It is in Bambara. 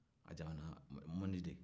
a damana mondi de ye